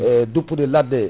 duppude ladde